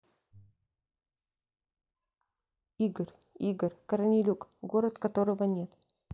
игорь игорь корнелюк город которого нет